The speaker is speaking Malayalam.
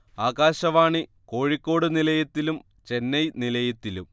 ആകാശവാണി കോഴിക്കോട് നിലയത്തിലും ചെന്നൈ നിലയത്തിലും